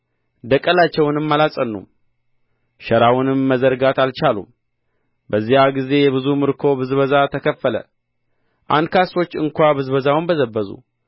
ደቀላቸውንም አላጸኑም ሸራውንም መዘርጋት አልቻሉም በዚያም ጊዜ የብዙ ምርኮ ብዝበዛ ተከፈለ አንካሶች እንኳ ብዝበዛውን በዘበዙ